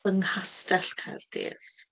yng Nghastell Caerdydd.